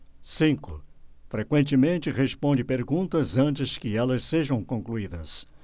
cinco frequentemente responde perguntas antes que elas sejam concluídas